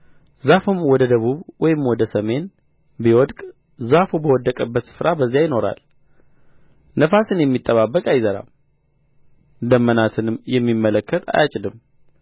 ዛፍም ወደ ደቡብ ወይም ወደ ሰሜን ቢወድቅ ዛፉ በወደቀበት ስፍራ በዚያ ይኖራል ነፋስን የሚጠባበቅ አይዘራም ደመናንም የሚመለከት አያጭድም